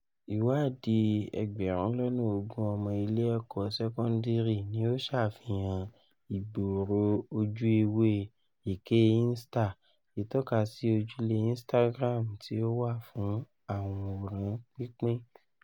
Iwaadi 20,000 ọmọ ile ẹkọ sẹkọndiri ni o ṣafihan igbooro oju ewe ‘’eke insta’’ – itọkasi ojule Instagram ti o wa fun aworan pinpin.